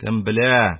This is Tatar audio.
Кем белә,